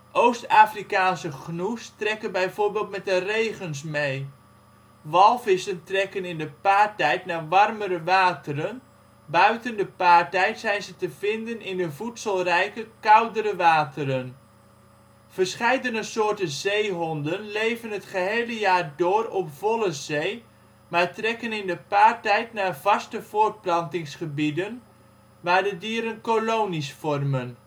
Oost-Afrikaanse gnoes trekken bijvoorbeeld met de regens mee. Walvissen trekken in de paartijd naar warmere wateren, buiten de paartijd zijn ze te vinden in de voedselrijke koudere wateren. Verscheidene soorten zeehonden leven het gehele jaar door op volle zee, maar trekken in de paartijd naar vaste voortplantingsgebieden, waar de dieren kolonies vormen